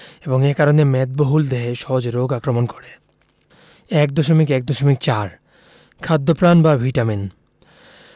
এবং এ কারণে মেদবহুল দেহে সহজে রোগ আক্রমণ করে ১.১.৪ খাদ্যপ্রাণ বা ভিটামিন